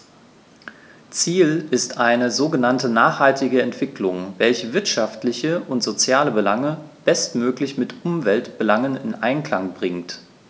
Ziel ist eine sogenannte nachhaltige Entwicklung, welche wirtschaftliche und soziale Belange bestmöglich mit Umweltbelangen in Einklang bringt.